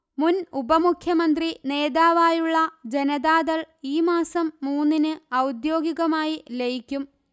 മുൻഉപമുഖ്യമന്ത്രി നേതാവായുള്ള ജനതാദൾ ഈ മാസം മൂന്നിന് ഔദ്യോഗികമായി ലയിക്കും